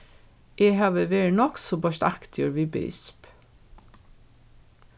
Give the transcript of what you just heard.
eg havi verið nokk so beistaktigur við bisp